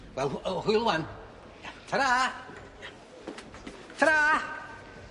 Wel hw- yy hwyl 'wan. Ia. Tara. Ia Tara.